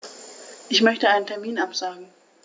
Ich möchte einen Termin absagen.